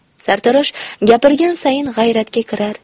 sartarosh gapirgan sayin g'ayratga kirar